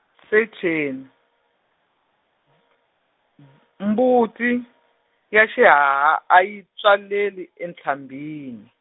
secheni, mbuti, ya xihaha, a yi tswaleli entlhambini.